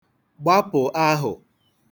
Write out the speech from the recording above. gbapụ̀ ahụ̀